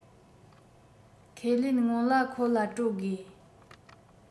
ཁས ལེན སྔོན ལ ཁོ ལ སྤྲོད དགོས